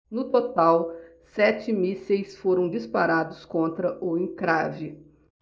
no total sete mísseis foram disparados contra o encrave